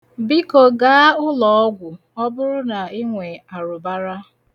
Biko, gaa ụlọọgwụ ma ọ bụrụ na i nwee arụbara.